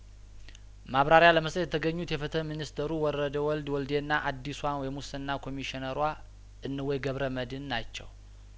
ማብራሪያ ለመስጠት የተገኙት የፍትህ ሚኒስተሩ ወረደ ወልድ ወልዴና አዲሷ የሙስና ኮሚሽነሯ እንወይ ገብረመድን ናቸው